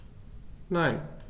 Nein.